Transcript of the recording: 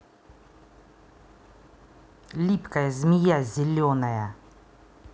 липкая змея зеленая